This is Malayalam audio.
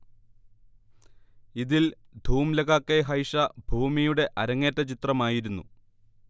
ഇതിൽ ധൂം ലഗ കെ ഹൈഷ ഭൂമിയുടെ അരങ്ങേറ്റ ചിത്രമായിരുന്നു